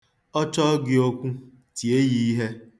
Ọ chọọ gị okwu, tie ya ihe.